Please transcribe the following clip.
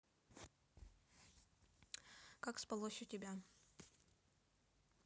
как спалось у тебя